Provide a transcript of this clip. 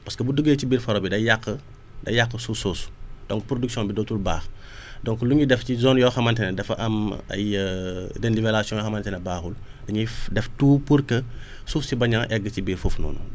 parce que bu duggee ci biir faro bi day yàq suuf soosu donc production bi dootul baax donc lu ñu def ci zone yoo xamante ne dafa am ay nivelations yoo xamante ne baaxul dañuy def tout pour que suuf si bañ a egg ci biir foofu noonu